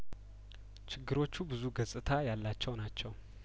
ችግሮቹ ብዙ ገጽታ ያላቸው ናቸው